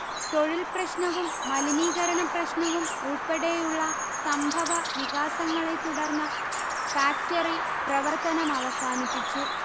തൊഴിൽ പ്രശ്നവും മലിനീകരണപ്രശ്നവും ഉൾപ്പെടെയുള്ള സംഭവവികാസങ്ങളെത്തുടർന്ന് ഫാക്ടറി പ്രവർത്തനമവസാനിപ്പിച്ചു